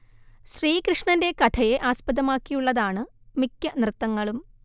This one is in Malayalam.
ശ്രീകൃഷ്ണന്റെ കഥയെ ആസ്പദമാക്കിയുള്ളതാണ് മിക്ക നൃത്തങ്ങളും